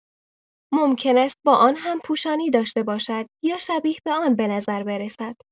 ممکن است با آن هم‌پوشانی داشته باشد یا شبیه به آن به نظر برسد.